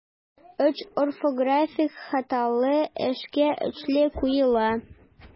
Өч орфографик хаталы эшкә өчле куела.